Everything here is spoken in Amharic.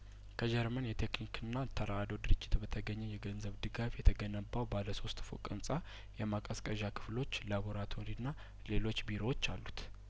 ከጀርመን የቴክኒክና ተራድኦ ድርጅት በተገኘ የገንዘብ ድጋፍ የተገነባው ባለሶስት ፎቅ ህንጻ የማቀዝቀዣ ክፍሎች ላቦራቶሪና ሌሎች ቢሮዎች አሉት